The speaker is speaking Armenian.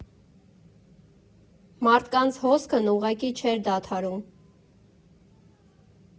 Մարդկանց հոսքն ուղղակի չէր դադարում։